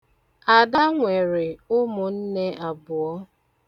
Ada nwere umunne abụọ.